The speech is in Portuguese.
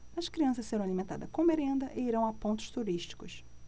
as crianças serão alimentadas com merenda e irão a pontos turísticos